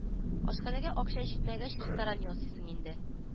Ашханәгә акча җитмәгәч ресторан ясыйсың инде